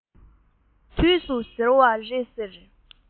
དུས སུ ཟེར བ རེད ཟེར